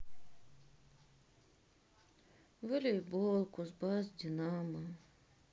волейбол кузбасс динамо